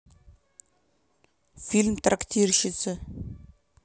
фильм трактирщица